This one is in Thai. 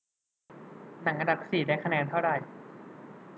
หนังอันดับสี่ได้คะแนนเท่าไหร่